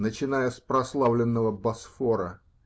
Начиная с прославленного Босфора.